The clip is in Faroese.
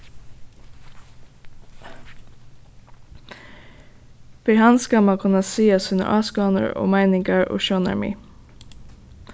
fyri hann skal mann kunna siga sínar áskoðanir og meiningar og sjónarmið